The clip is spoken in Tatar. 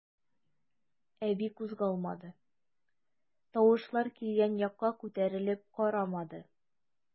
Әби кузгалмады, тавышлар килгән якка күтәрелеп карамады.